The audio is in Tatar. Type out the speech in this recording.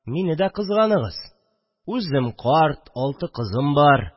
Мине дә кызганыгыз: үзем карт, алты кызым бар